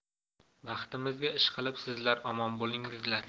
baxtimizga ishqilib sizlar omon bo'linglar